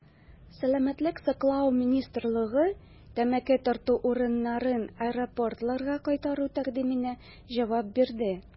Сәламәтлек саклау министрлыгы тәмәке тарту урыннарын аэропортларга кайтару тәкъдименә җавап бирде.